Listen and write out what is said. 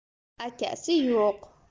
akasi yo'q